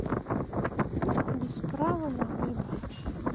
без права на выбор